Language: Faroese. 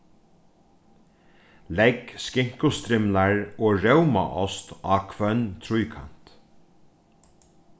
legg skinkustrimlar og rómaost á hvønn tríkant